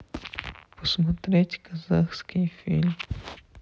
посмотреть казахский фильм